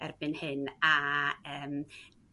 erbyn hyn a yym